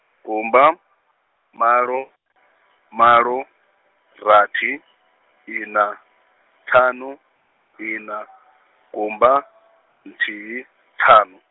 gumba, malo, malo, rathi, ina, ṱhanu, ina, gumba, nthihi, ṱhanu.